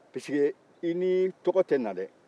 sabula i ni tɔgɔ tɛ na dɛ